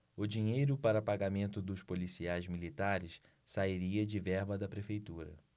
o dinheiro para pagamento dos policiais militares sairia de verba da prefeitura